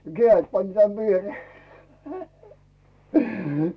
kädet panin tänne viereen